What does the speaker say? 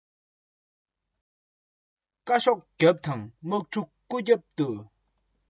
བཀའ ཤོག རྒྱབ དང དམག ཕྲུག སྐུ རྒྱབ ཏུ